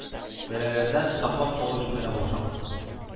Бәлаләрдән саклап калу өчен генә булышам.